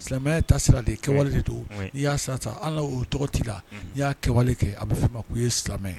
Silamɛya ye tasira de ye , kɛwale de don . Ni ya sira ta hali no tɔgɔ ti la ni ya kɛwale kɛ a bi fi ma ko i ye silamɛ ye.